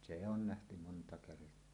se on nähty monta kertaa